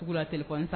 Dugu la seli sa